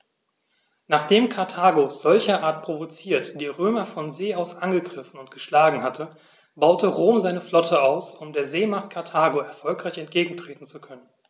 Nachdem Karthago, solcherart provoziert, die Römer von See aus angegriffen und geschlagen hatte, baute Rom seine Flotte aus, um der Seemacht Karthago erfolgreich entgegentreten zu können.